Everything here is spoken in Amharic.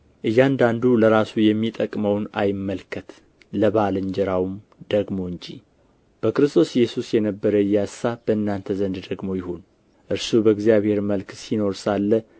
እያንዳንዱ ለራሱ የሚጠቅመውን አይመልከት ለባልንጀራው ደግሞ እንጂ በክርስቶስ ኢየሱስ የነበረ ይህ አሳብ በእናንተ ዘንድ ደግሞ ይሁን እርሱ በእግዚአብሔር መልክ ሲኖር ሳለ